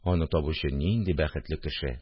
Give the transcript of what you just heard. Аны табучы нинди бәхетле кеше